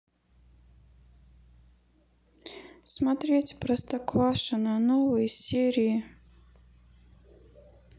смотреть простоквашино новые серии